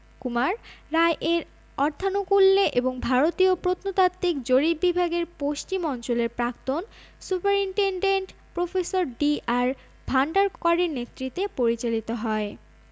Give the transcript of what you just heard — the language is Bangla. কুমার রায় এর অর্থানুকূল্যে এবং ভারতীয় প্রত্নতাত্ত্বিক জরিপ বিভাগের পশ্চিম অঞ্চলের প্রাক্তন সুপারিনটেনডেন্ট প্রফেসর ডি.আর ভান্ডারকরের নেতৃত্বে পরিচালিত হয়